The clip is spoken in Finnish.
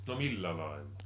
no millä lailla